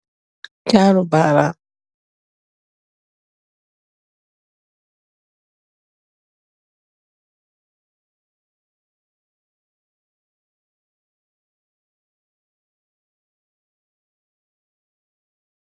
Ja ru ba raam.